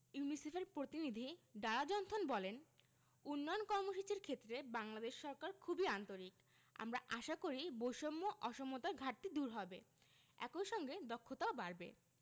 ইউনিসেফের প্রতিনিধি Dara Jonathan বলেন উন্নয়ন কর্মসূচির ক্ষেত্রে বাংলাদেশ সরকার খুবই আন্তরিক আমরা আশা করি বৈষম্য অসমতার ঘাটতি দূর হবে একই সঙ্গে দক্ষতাও বাড়বে